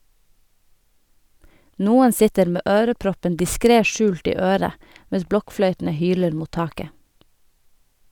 Noen sitter med øreproppen diskret skjult i øret, mens blokkfløytene hyler mot taket.